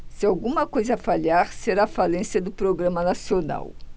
se alguma coisa falhar será a falência do programa nacional